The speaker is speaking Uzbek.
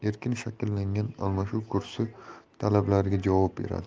erkin shakllangan almashuv kursi talablariga javob beradi